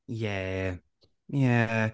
Ie, ie.